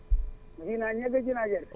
ji naa ñebe ji naa gerte